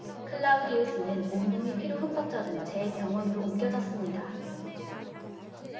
클라우디우스는 온몸이 피로 흠뻑 젖은 채 병원으로 옮겨졌습니다